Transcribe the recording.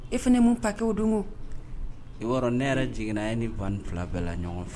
I fana mun pake o don i wɔɔrɔ ne yɛrɛ jiginigna ye ni ban fila bɛɛ la ɲɔgɔn fɛ